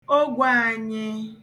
ogwèànyị